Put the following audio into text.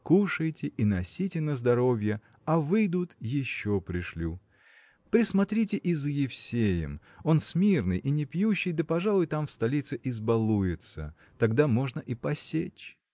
Кушайте и носите на здоровье, а выйдут – еще пришлю. Присмотрите и за Евсеем он смирный и не пьющий да пожалуй там в столице избалуется – тогда можно и посечь.